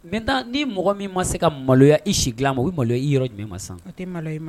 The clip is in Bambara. N taa ni mɔgɔ min ma se ka maloya i sigi a ma i maloya i yɔrɔ jumɛn ma sa